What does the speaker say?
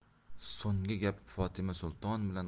so'nggi gap fotima sulton bilan